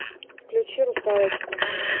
включи русалочку